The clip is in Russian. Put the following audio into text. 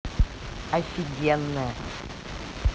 офигенная